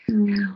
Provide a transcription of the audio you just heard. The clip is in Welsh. Hmm.